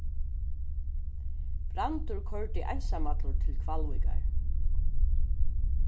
brandur koyrdi einsamallur til hvalvíkar